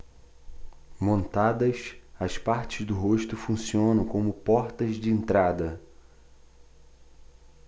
montadas as partes do rosto funcionam como portas de entrada